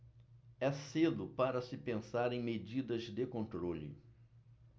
é cedo para se pensar em medidas de controle